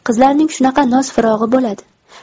qizlarning shunaqa noz firog'i bo'ladi